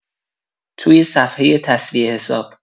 توی صفحۀ تصویه حساب